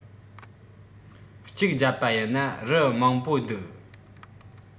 གཅིག རྒྱབ པ ཡིན ན རུ མང པོ འདུག